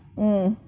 ừ